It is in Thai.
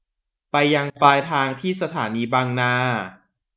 ไปยังปลายทางที่สถานีบางนา